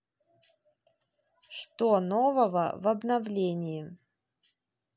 что нового в обновлении